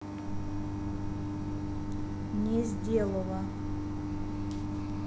не зделова